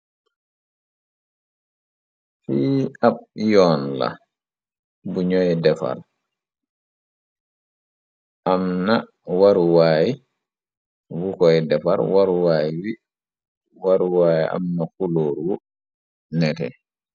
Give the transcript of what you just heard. Fi ab yoon la bu ñooy defar amna waruwaay bu koy defar waruwaay am na xulooru nete.